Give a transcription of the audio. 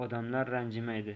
odamlar ranjimaydi